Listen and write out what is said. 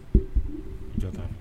Ja